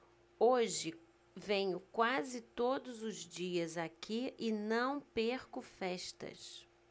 hoje venho quase todos os dias aqui e não perco festas